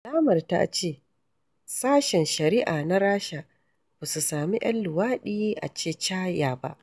alamar ta ce: SASHEN SHARI'A NA RASHA BA SU SAMI 'YAN LUWAɗI A CHECHYA BA.